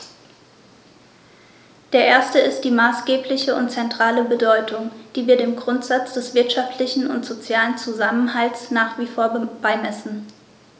Der erste ist die maßgebliche und zentrale Bedeutung, die wir dem Grundsatz des wirtschaftlichen und sozialen Zusammenhalts nach wie vor beimessen.